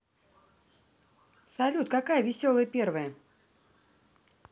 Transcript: салют какая веселая первая